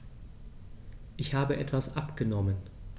Ich habe etwas abgenommen.